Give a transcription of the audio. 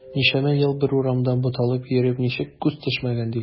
Ничәмә ел бер урамда буталып йөреп ничек күз төшмәгән диген.